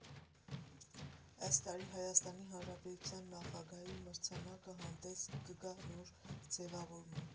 Այս տարի Հայաստանի Հանրապետության նախագահի մրցանակը հանդես կգա նոր ձևավորմամբ.